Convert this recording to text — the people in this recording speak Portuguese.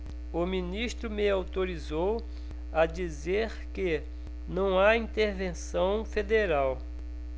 o ministro me autorizou a dizer que não há intervenção federal